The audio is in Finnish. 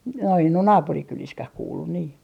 no en ole naapurikylissäkään kuullut niin